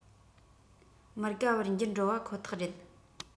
མི དགའ བར འགྱུར འགྲོ པ ཁོ ཐག རེད